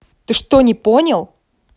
ты что не понял